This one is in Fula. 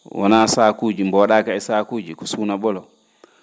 wona sakuuji mbo wa?aaka e sakuuji ko suuna ?olo